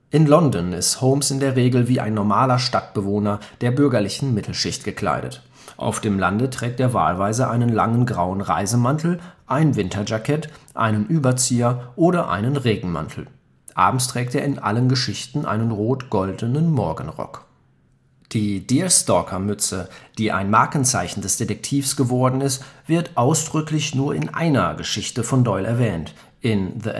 In London ist Holmes in der Regel wie ein normaler Stadtbewohner der bürgerlichen Mittelschicht gekleidet. Auf dem Lande trägt er wahlweise einen langen grauen Reisemantel, ein Winterjacket, einen Überzieher oder einen Regenmantel. Abends trägt er in allen Geschichten einen rot-goldenen Morgenrock. Die Deerstalker-Mütze, die ein Markenzeichen des Detektivs geworden ist, wird ausdrücklich nur in einer Geschichte von Doyle erwähnt: in The